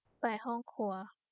ไปห้องครัว